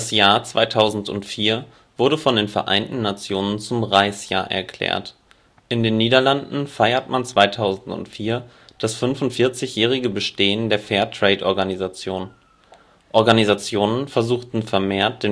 Jahr 2004 wurde von den Vereinten Nationen zum Reis-Jahr erklärt. In den Niederlanden feiert man 2004 das 45-jährigen Bestehen der Fair-Trade-Organisation. Organisationen versuchten vermehrt